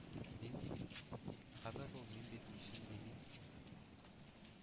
Нинди кабер ул? Мин бит үлсен димим.